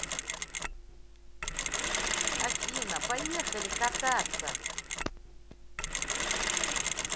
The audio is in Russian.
афина поехали кататься